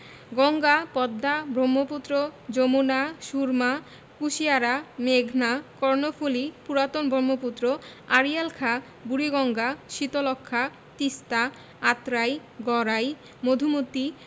গঙ্গা পদ্মা ব্রহ্মপুত্র যমুনা সুরমা কুশিয়ারা মেঘনা কর্ণফুলি পুরাতন ব্রহ্মপুত্র আড়িয়াল খাঁ বুড়িগঙ্গা শীতলক্ষ্যা তিস্তা আত্রাই গড়াই মধুমতি